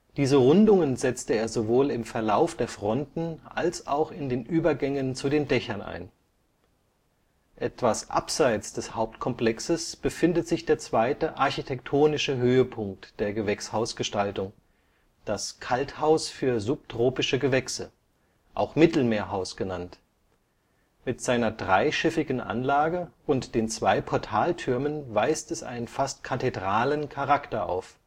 Diese Rundungen setzte er sowohl im Verlauf der Fronten als auch in den Übergängen zu den Dächern ein. Das fast 16 Meter hohe Subtropenhaus Etwas abseits des Hauptkomplexes befindet sich der zweite architektonische Höhepunkt der Gewächshausgestaltung, das Kalthaus für subtropische Gewächse, auch Mittelmeerhaus genannt. Mit seiner dreischiffigen Anlage und den zwei Portaltürmen weist es einen fast kathedralen Charakter auf